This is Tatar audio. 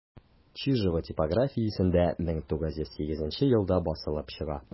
Чижова типографиясендә 1908 елда басылып чыга.